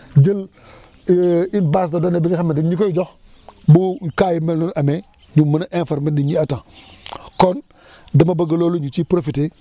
jël une base de données bi nga xam ne dañ ñu koy jox bu cas yu mel noonu amee ñu mën a informer nit ñi à temps kon dama bëgg loolu ñu ciy profiter